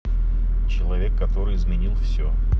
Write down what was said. человек который изменил все